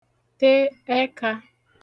te ẹkā